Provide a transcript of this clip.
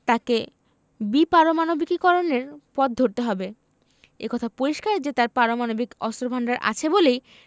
তাঁকে বিপারমাণবিকীকরণের পথ ধরতে হবে এ কথা পরিষ্কার যে তাঁর পারমাণবিক অস্ত্রভান্ডার আছে বলেই